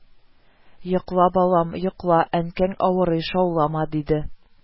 – йокла, балам, йокла, әнкәң авырый, шаулама, – диде